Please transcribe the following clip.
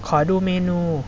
ขอดูเมนู